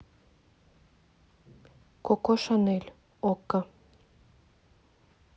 коко шанель окко